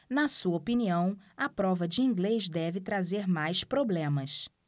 na sua opinião a prova de inglês deve trazer mais problemas